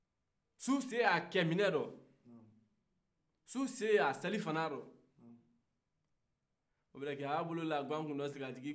nin o kɛra a b'a bolo da gankundo sagajigi kunna ka kun mɔmɔ